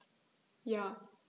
Ja.